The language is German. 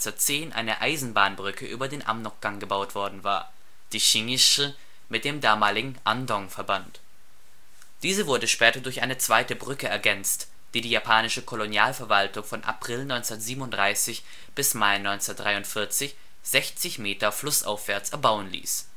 1910 eine Eisenbahnbrücke über den Amrokgang gebaut worden war, die Shingishū mit dem damaligen Andong verband. Diese wurde später durch eine zweite Brücke ergänzt, die die japanische Kolonialverwaltung von April 1937 bis Mai 1943 sechzig Meter flussaufwärts erbauen ließ